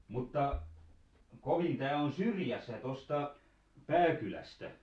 mutta kovin tämä on syrjässä tuosta pääkylästä